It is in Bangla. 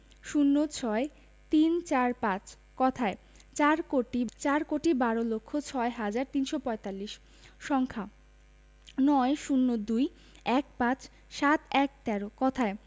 ০৬ ৩৪৫ কথায়ঃ চার কোটি চার কোটি বার লক্ষ ছয় হাজার তিনশো পঁয়তাল্লিশ সংখ্যাঃ ৯ ০২ ১৫ ৭১৩ কথায়